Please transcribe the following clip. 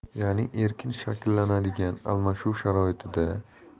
ya'ni erkin shakllanadigan almashuv sharoitida markaziy bank